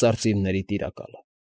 Արծիների Տիրակալը։